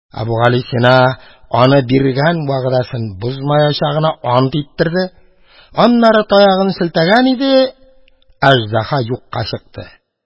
Әбүгалисина аны биргән вәгъдәсен бозмаячагына ант иттерде, аннары таягын селтәгән иде, аҗдаһа юкка чыкты.